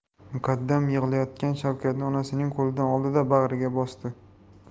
muqaddam yig'layotgan shavkatni onasining qo'lidan oldida bag'riga bosdi